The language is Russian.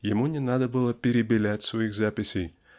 ему не надо было перебелять своих записей